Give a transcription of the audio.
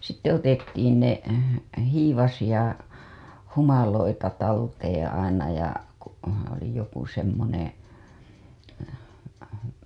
sitten otettiin ne hiivaisia humaloita talteen aina ja kun oli joku semmoinen